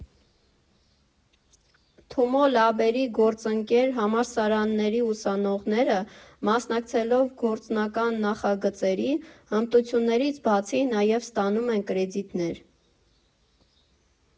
Թումո լաբերի գործընկեր համալսարանների ուսանողները, մասնակցելով գործնական նախագծերի, հմտություններից բացի նաև ստանում են կրեդիտներ։